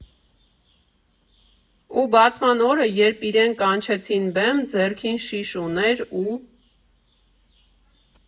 Ու բացման օրը, երբ իրեն կանչեցին բեմ, ձեռքին շիշ ուներ ու…